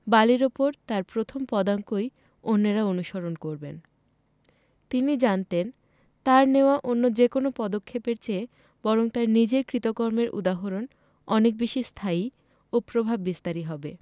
বালির ওপর তাঁর প্রথম পদাঙ্কই অন্যেরা অনুসরণ করবেন তিনি জানতেন তাঁর নেওয়া অন্য যেকোনো পদক্ষেপের চেয়ে বরং তাঁর নিজের কৃতকর্মের উদাহরণ অনেক বেশি স্থায়ী এবং প্রভাববিস্তারী হবে